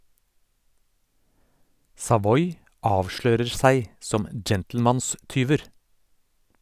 Savoy avslører seg som gentlemanstyver.